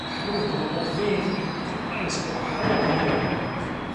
oherwydd bod o o fydd i gymaint o wahanol brobleme iechyd.